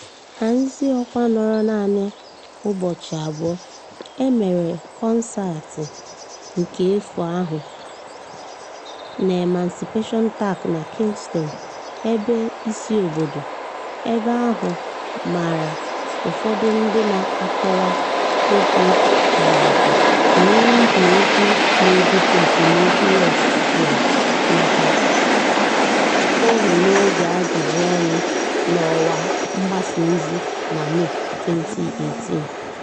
Na nziọkwa nọrọ naanị ụbọchi abụọ, e mere kọnseetị nke efu ahụ n'Emancipation Park na Kingston, ebe isi obodo — ebe ahụ mara ụfọdụ ndi na-akọwa okwu jijiji n'ihi okwu na-ebute esemokwu West kwuru maka óhù n'oge ajụjụ ọnụ n'ọwa mgbasa ozi na Mee 2018.